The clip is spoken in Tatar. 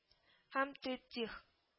Һәм триптих